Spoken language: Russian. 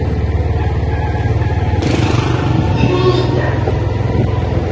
гнида